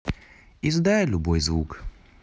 издай любой звук